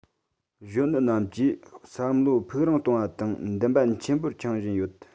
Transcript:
གཞོན ནུ རྣམས ཀྱིས བསམ བློ ཕུགས རིང གཏོང བ དང འདུན པ ཆེན པོ འཆང བཞིན ཡོད